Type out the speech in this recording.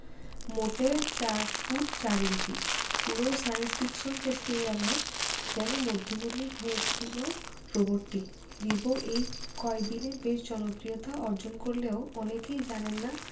মোটে ৪ foot ৪ inch পুরো science fiction ফেস্টিভ্যালে যেন মধ্যমণি হয়েছিল রোবটটি রিবো এই কয়দিনে বেশ জনপ্রিয়তা অর্জন করলেও অনেকেই জানেন না